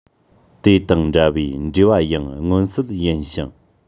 དེ དང འདྲ བའི འབྲེལ བ ཡང མངོན གསལ ཡིན ཞིང